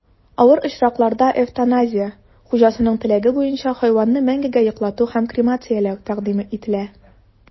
Авыр очракларда эвтаназия (хуҗасының теләге буенча хайванны мәңгегә йоклату һәм кремацияләү) тәкъдим ителә.